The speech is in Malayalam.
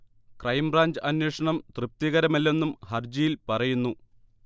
ക്രൈം ബ്രാഞ്ച് അന്വേഷണം തൃ്പതികരമല്ലെന്നും ഹർജിയിൽ പറയുന്നു